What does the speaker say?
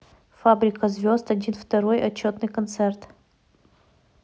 фабрика звезд один второй отчетный концерт